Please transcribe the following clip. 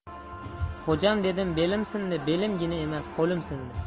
xo'jam dedim belim sindi belimgina emas qo'lim sindi